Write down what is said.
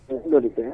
Tɛ